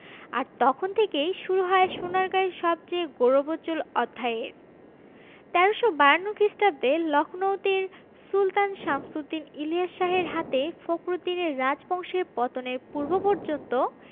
আর তখন থেকেই শুরু হয় সোনারগাঁয়ের সবচেয়ে গৌরবোজ্জ্বল অধ্যায়ের ১৩৫২ খ্রিস্টাব্দে লখনৌতির সুলতান শামসুদ্দীন ইলিয়াস শাহের হাতে ফখরুদ্দীনের রাজবংশের পতনের পূর্ব পর্যন্ত